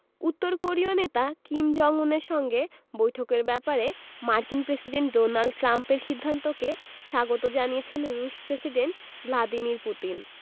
উত্তর কোরীয় নেতা কিম জং উনের সঙ্গে বৈঠকের ব্যাপারে মার্কিন প্রেসিডেন্ট ডোনাল্ড ট্রাম্পের সিদ্ধান্তকে স্বাগত জানিয়েছেন রুশ প্রেসিডেন্ট ভ্লাদিমির পুতিন